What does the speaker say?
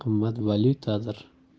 eng qimmat valyutadir